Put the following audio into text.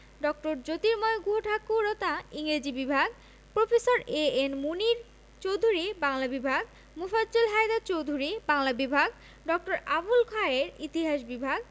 ড. জ্যোতির্ময় গুহঠাকুরতা ইংরেজি বিভাগ প্রফেসর এ.এন মুনীর চৌধুরী বাংলা বিভাগ মোফাজ্জল হায়দার চৌধুরী বাংলা বিভাগ ড. আবুল খায়ের ইতিহাস বিভাগ